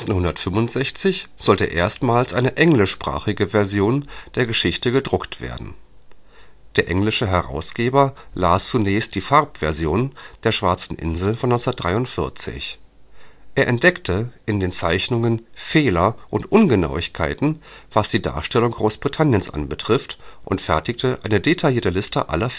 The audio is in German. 1965 sollte erstmals eine englischsprachige Version der Geschichte gedruckt werden. Der englische Herausgeber las zunächst die Version der „ Schwarzen Insel “von 1943. Der britische Herausgeber entdeckte in den Zeichnungen Fehler und Ungenauigkeiten, was die Darstellung Großbritanniens betrifft, und fertigte eine detaillierte Liste aller Fehler